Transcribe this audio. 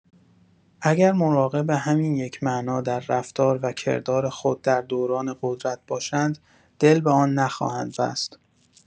اگر مراقب همین یک معنا در رفتار و کردار خود در دوران قدرت باشند، دل به آن نخواهند بست